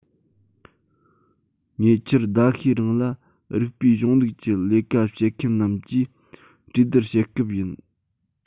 ཉེ ཆར ཟླ ཤས རིང ལ རིགས པའི གཞུང ལུགས ཀྱི ལས ཀ བྱེད མཁན རྣམས ཀྱིས གྲོས བསྡུར བྱེད སྐབས ཡིན